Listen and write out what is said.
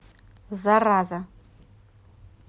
зараза